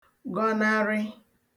gọnarị